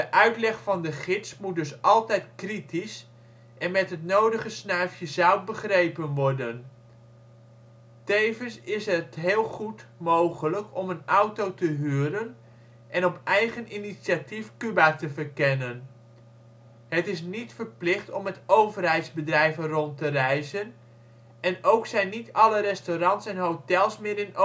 uitleg van de gids moet dus altijd kritisch en met het nodige snuifje zout begrepen worden. Tevens is het heel goed mogelijk om een auto te huren en op eigen initiatief Cuba te verkennen. Het is niet verplicht om met overheidsbedrijven rond te reizen en ook zijn niet alle restaurants en hotels meer in overheidshanden